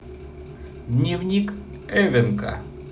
дневник эвенка